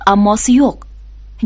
ammosi yo'q